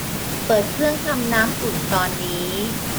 เปิดเครื่องทำน้ำอุ่นตอนนี้